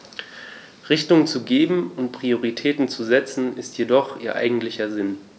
Richtung zu geben und Prioritäten zu setzen, ist jedoch ihr eigentlicher Sinn.